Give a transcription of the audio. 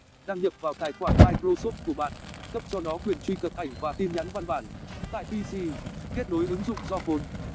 đăng nhập vào tài khoản microsoft của bạn cấp cho nó quyền truy cập ảnh và tin nhắn văn bản tại pc kết nối ứng dụng your phone